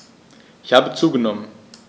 Ich habe zugenommen.